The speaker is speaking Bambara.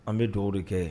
An bɛ duwɔwu de kɛ